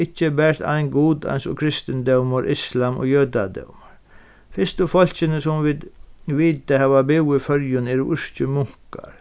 ikki bert ein gud eins og kristindómur islam og jødadómur fyrstu fólkini sum vit vita hava búð í føroyum eru írskir munkar